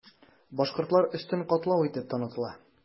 Башкортлар өстен катлау итеп танытыла.